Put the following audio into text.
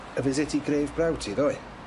Y visit grave brawd ti ddoe?